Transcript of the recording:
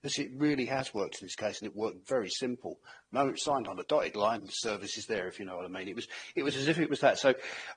Because it really has worked in this case and it worked very simple moment signed on a dotted line services there if you know what I mean it was it was as if it was that so,